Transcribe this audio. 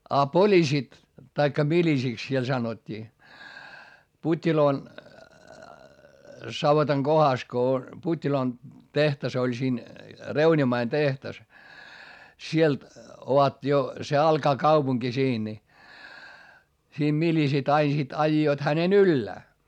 ja poliisit tai miliisiksi siellä sanottiin Puttiloon savotan kohdassa kun Puttiloon tehdas oli siinä reunimmainen tehdas sieltä ovat jo se alkaa kaupunki siinä niin siinä miliisit aina sitten ajoivat hänen ylös